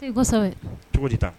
I cogo tɛ taa